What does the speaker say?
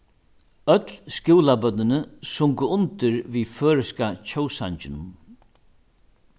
øll skúlabørnini sungu undir við føroyska tjóðsanginum